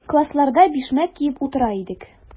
Классларда бишмәт киеп утыра идек.